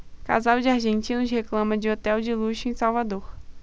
casal de argentinos reclama de hotel de luxo em salvador